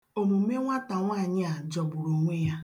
Omume nwata nwanyị a jọgburu onwe ya